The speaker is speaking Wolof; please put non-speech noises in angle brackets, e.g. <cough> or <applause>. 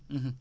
<hesitation> <hesitation>